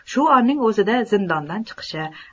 shu onning o'zida zindondan chiqishi